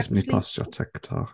Jyst yn mynd i postio ar Tiktok.